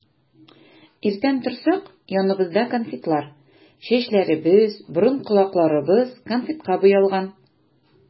Иртән торсак, яныбызда конфетлар, чәчләребез, борын-колакларыбыз конфетка буялган.